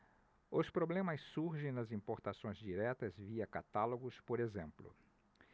os problemas surgem nas importações diretas via catálogos por exemplo